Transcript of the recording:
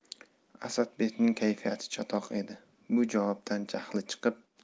asadbekning kayfiyati chatoq edi bu javobdan jahli chiqib